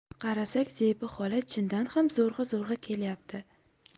qarasak zebi xola chindan ham zo'rg'a zo'rg'a kelyapti